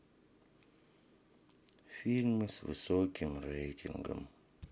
фильмы с высоким рейтингом